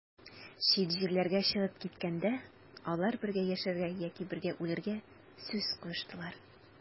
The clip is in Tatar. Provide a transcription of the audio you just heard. Чит җирләргә чыгып киткәндә, алар бергә яшәргә яки бергә үләргә сүз куештылар.